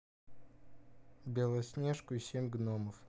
белоснежку и семь гномов